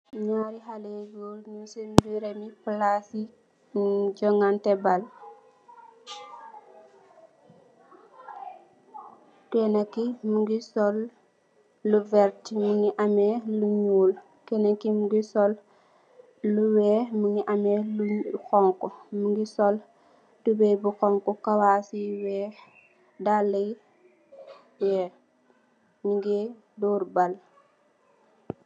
Naari xalex goor nyun sen berembi palaci joganteh baal kena ki mogi sol lu vertah mugi ameh lu nuul kenen mogi sol lu weex mogi ameh lu xonxu mogi sol tubai bu xonxa kawas yu weex daal yu weex mogeh door baal.